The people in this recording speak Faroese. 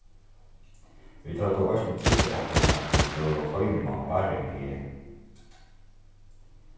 vit høvdu eisini tryggjað okkum at vit vóru heima áðrenn g